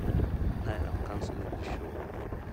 I’m cancelling the show.